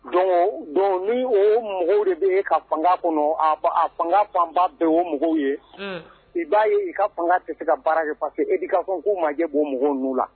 Donc donc nii oo mɔgɔw de be e ka fanga kɔnɔ a f a fanga fanba bɛ y'o mɔgɔw ye unnn i b'a ye i ka fanga tɛ se ka baara kɛ parce que éducation ko ma jɛ o mɔgɔw ninnu la